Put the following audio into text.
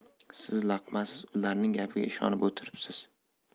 siz laqmasiz ularning gapiga ishonib o'tiribsiz